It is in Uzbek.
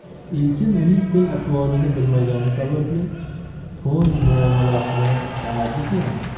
elchin uning fe'l atvorini bilmagani sababli to'ng muomalasidan taajjublandi